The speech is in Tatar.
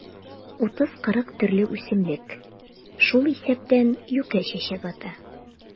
30-40 төрле үсемлек, шул исәптән юкә чәчәк ата.